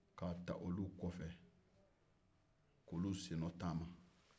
k'a ta olu kɔ fɛ ka olu sen nɔ taama